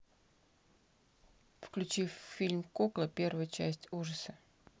включи фильм кукла первая часть ужасы